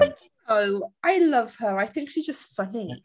But you know I love her. I think she's just funny.